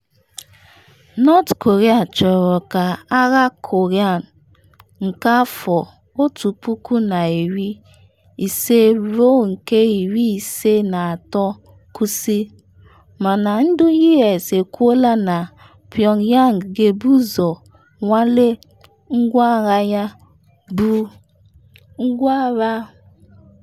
North Korea chọrọ ka agha Korean nke Afọ otu puku na iri ise ruo nke iri ise na atọ kwụsị, mana ndị US ekwuola na Pyongyang ga-ebu ụzọ nwalee ngwa agha ya bụ nuclear weapon.